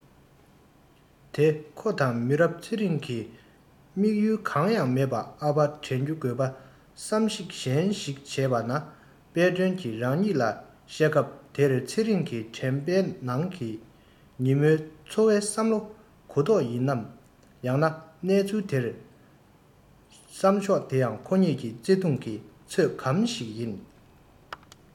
དེ ཁོ དང མི རབས ཚེ རིང གི དམིགས ཡུལ གང ཡང མེད ཨ ཕའི དྲན རྒྱུ དགོས པ བསམ གཞིག གཞན ཞིག བྱས ན དཔལ སྒྲོན གྱི རང ཉིད ལ བཤད སྐབས དེར ཚེ རིང གི དྲན པའི ནང ཉིན མོ སྔོན འཚོ བའི བསམ བློའི གུ དོག ཡིན ནམ ཡང ན གནས ཚུལ དེར སོམ ན ཕྱོགས དེ ཡང ཁོ གཉིས ཀྱི བརྩེ དུང གི ཚོད གམ ཞིག ཡིན